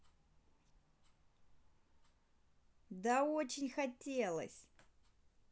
да очень хотелось